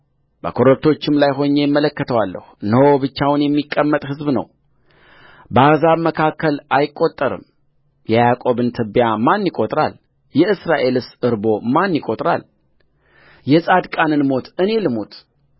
በኮረብቶችም ላይ ሆኜ እመለከተዋለሁእነሆ ብቻውን የሚቀመጥ ሕዝብ ነውበአሕዛብም መካከል አይቈጠርምየያዕቆብን ትቢያ ማን ይቈጥራል የእስራኤልስ እርቦ ማን ይቈጥራል የጻድቃንን ሞት እኔ ልሙት